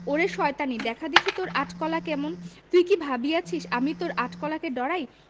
ওরে শয়তানী দেখা দেখি তোর আট কলা কেমন তুই কি ভাবিয়াছি আমি তোর আট কলাকে ডরাই